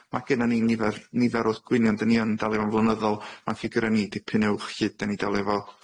Ma' gennan ni nifer nifer o gwynion 'den ni yn delio 'fo nw yn flynyddol. Ma'n ffigyre ni'n dipyn uwch lly. 'Den ni'n delio 'fo-